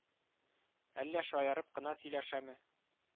Әллә шаярып кына сөйләшәме